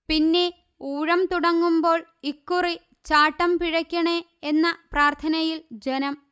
പിന്നെ ഊഴം തുടങ്ങുമ്പോൾ ഇക്കുറി ചാട്ടം പിഴയ്ക്കണേ എന്ന പ്രാർഥനയിൽ ജനം